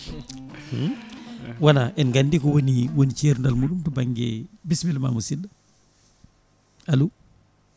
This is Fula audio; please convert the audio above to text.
wona en gandi ko woni woni cerdal muɗum tio banggue bisimilla ma musidɗo alo